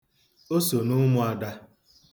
O so n'ụmụada.